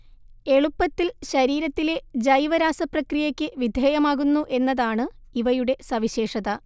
എളുപ്പത്തിൽ ശരീരത്തിലെ ജൈവരാസപ്രക്രിയക്ക് വിധേയമാകുന്നു എന്നതാണ് ഇവയുടെ സവിശേഷത